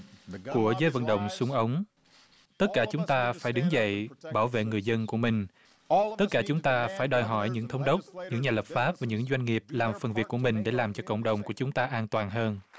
của giới vận động súng ống tất cả chúng ta phải đứng dậy bảo vệ người dân của mình tất cả chúng ta phải đòi hỏi những thống đốc những nhà lập pháp của những doanh nghiệp làm phần việc của mình để làm cho cộng đồng của chúng ta an toàn hơn